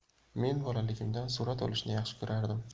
men bolaligimdan surat olishni yaxshi ko'rardim